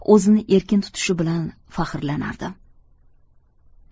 o'zini erkin tutishi bilan faxrlanardim